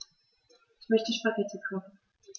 Ich möchte Spaghetti kochen.